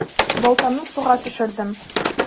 Балтамны суга төшердем.